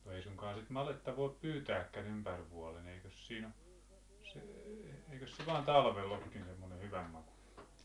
no ei suinkaan sitten madetta voi pyytääkään ympäri vuoden eikös siinä ole eikös se vain talvella olekin semmoinen hyvänmakuinen